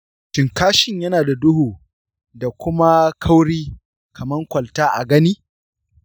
shin kashin yana da duhu da kuma kauri kaman kwalta a gani?